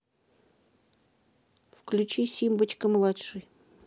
включи симбочка младший